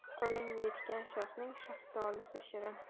qo'ling yetgan shoxning shaftolisi shirin